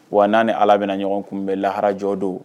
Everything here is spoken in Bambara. Wa n'a ni Ala bɛna ɲɔgɔn kun bɛn laharajɔ don